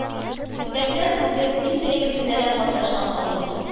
Төбәкләр бүген ил бәйгесендә дә катнаша алмый